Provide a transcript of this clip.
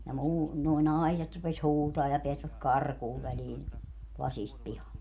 ja - nuo naiset rupesi huutamaan ja pääsivät karkuun väliin lasista pihalle